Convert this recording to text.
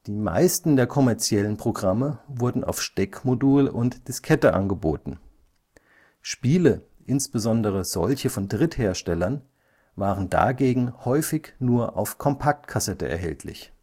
meisten der kommerziellen Programme wurden auf Steckmodul und Diskette angeboten. Spiele, insbesondere solche von Drittherstellern, waren dagegen häufig nur auf Kompaktkassette erhältlich